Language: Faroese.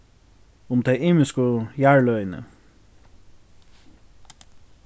um tey ymisku jarðløgini